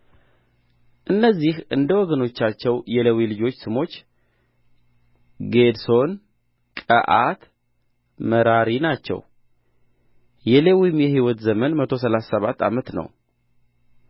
እነዚህም እንደ ወገኖቻቸው የሌዊ ልጆች ስሞች ጌድሶን ቀዓት ሜራሪ ናቸው የሌዊም የሕይወት ዘመን መቶ ሠላሳ ሰባት ዓመት ነው